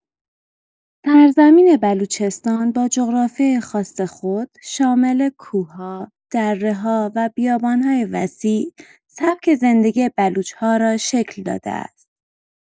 سرزمین بلوچستان با جغرافیای خاص خود، شامل کوه‌ها، دره‌ها و بیابان‌های وسیع، سبک زندگی بلوچ‌ها را شکل داده است.